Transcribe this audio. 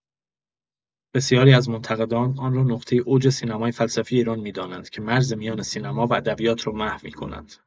بسیاری از منتقدان، آن را نقطۀ اوج سینمای فلسفی ایران می‌دانند که مرز میان سینما و ادبیات را محو می‌کند.